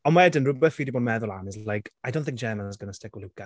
Ond wedyn, rhywbeth fi 'di bod yn meddwl am, is like I don't think Gemma's going to stick with Luca.